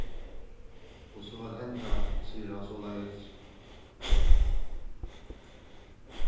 og so at enda sigur hann soleiðis